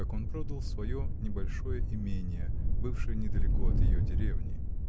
как он продал свое небольшое имение бывшее недалеко от ее деревни.